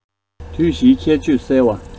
དུས བཞིའི ཁྱད ཆོས གསལ བ